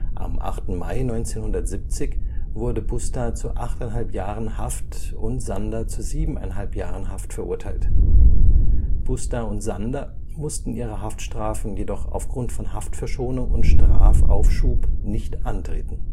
Am 8. Mai 1970 wurde Busta zu achteinhalb Jahren Haft und Sander zu siebeneinhalb Jahren Haft verurteilt. Busta und Sander mussten ihre Haftstrafen jedoch aufgrund von Haftverschonung und Strafaufschub nicht antreten